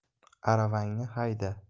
aravangni hayda